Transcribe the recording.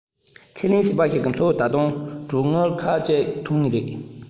ཁས ལེན བྱིས པ ཞིག གི འཚོ བར ད དུང གྲོན དངུལ ཁག གཅིག འཐོན ངེས རེད